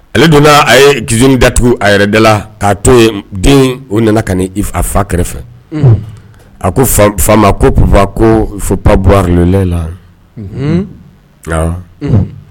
Ale donna a yez datugu a yɛrɛda la k'a to yen den o nana ka a fa kɛrɛfɛ a ko fa ko pa bu la